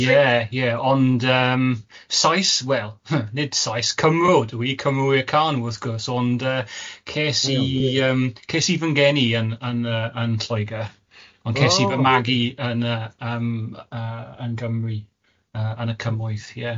Ie ie ond yym Saes wel nid Saes Cymro dwi Cymru i'r can wrth gwrs ond yy ces i yym ces i fy ngeni yn yn yy yn Lloegr... O. ...ond ces i fy magu yn yy yym yy yn Cymru yy yn y cymoedd ie.